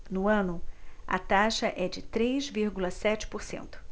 no ano a taxa é de três vírgula sete por cento